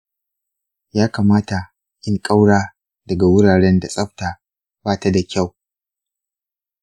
ya kamata in ƙaura daga wuraren da tsafta ba ta da kyau?